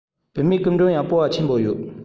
བུད མེད སྐུ མགྲོན ཡང སྤྲོ བ ཆེན པོ ཡོད